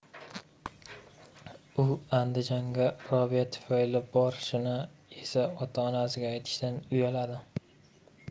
u andijonga robiya tufayli borishini esa ota onasiga aytishdan uyaladi